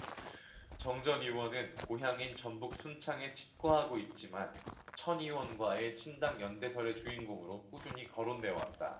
정 전 의원은 고향인 전북 순창에 칩거하고 있지만 천 의원과의 신당 연대설의 주인공으로 꾸준히 거론돼왔다